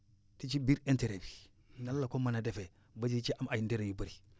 te ci biir intérêt binan la ko mën a defee ba di ci am ay njëriñ yu bëri